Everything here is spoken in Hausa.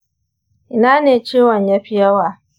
ina ne ciwon ya fi yawa?